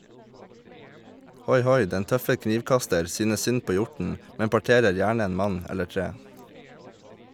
Hoi-hoi, den tøffe knivkaster synes synd på hjorten, men parterer gjerne en mann eller tre.